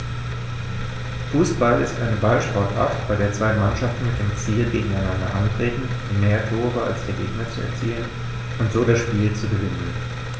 Fußball ist eine Ballsportart, bei der zwei Mannschaften mit dem Ziel gegeneinander antreten, mehr Tore als der Gegner zu erzielen und so das Spiel zu gewinnen.